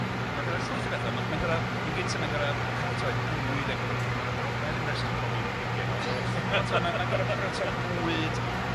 Ia. A mae'n gor'o' neu' llwyth o betha o ma'n mae'n gor'o' yn gynta mae'n gor'o' paratoi bwyd ar gyfer diwrnod y bro- wnâi ddim rhestri pob un o'r digen nawr yy ond 'tmo' ma' mae'n gor'o' paratoi bwyd